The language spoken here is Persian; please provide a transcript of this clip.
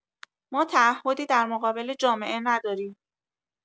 ما تعهدی در مقابل جامعه نداریم.